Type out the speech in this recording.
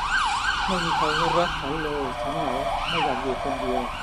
ไม่มีใครรักฉันเลยฉันเหงาไม่อยากอยู่คนเดียว